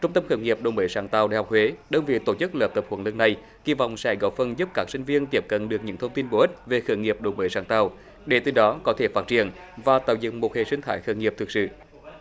trung tâm khởi nghiệp đổi mới sáng tạo đại học huế đơn vị tổ chức lớp tập huấn luyện này kỳ vọng sẽ góp phần giúp các sinh viên tiếp cận được những thông tin bổ ích về khởi nghiệp đổi mới sáng tạo để từ đó có thể phát triển và tạo dựng một hệ sinh thái khởi nghiệp thực sự